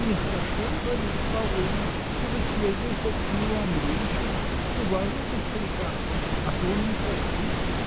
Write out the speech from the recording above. Нехорошо, Борис Павлович, ты бы съездил хоть к Нилу Андреичу: уважил бы старика. А то он не простит.